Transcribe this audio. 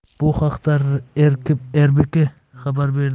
bu haqda rbk xabar berdi